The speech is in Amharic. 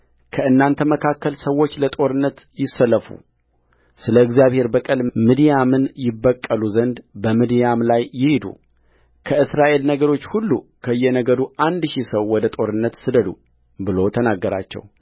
ከእናንተ መካከል ሰዎች ለጦርነት ይሰለፉ ስለ እግዚአብሔር በቀል ምድያምን ይበቀሉ ዘንድ በምድያም ላይ ይሂዱከእስራኤል ነገዶች ሁሉ ከየነገዱ አንድ ሺህ ሰው ወደ ጦርነት ስደዱ ብሎ ተናገራቸው